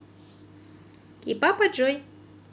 и папа джой